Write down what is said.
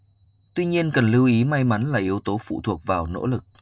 tuy nhiên cần lưu ý may mắn là yếu tố phụ thuộc vào nỗ lực